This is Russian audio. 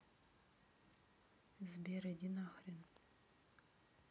сбер иди нахрен